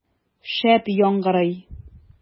Шәп яңгырый!